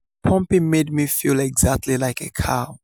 Pumping made me feel exactly like a cow.